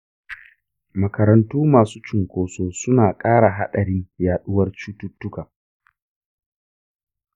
makarantu masu cunkoso suna ƙara haɗarin yaɗuwar cututtuka.